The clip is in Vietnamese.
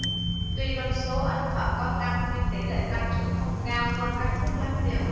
tuy con số ấn phẩm có tăng nhưng tỷ lệ tăng trưởng không cao hơn các nước láng giềng